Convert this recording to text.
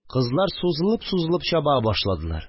Кызлар сузылып-сузылып чаба башладылар